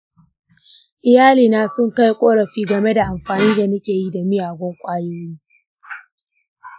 iyali na sun kai ƙorafi game da amfani da nake yi da miyagun ƙwayoyi.